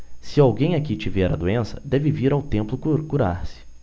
se alguém aqui tiver a doença deve vir ao templo curar-se